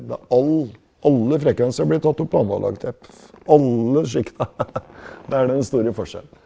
det er all alle frekvenser blitt tatt opp på analog tape alle sjikta , det er det den store forskjellen.